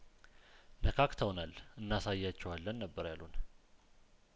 ነካክ ተውናል እና ሳያቸዋለን ነበር ያሉን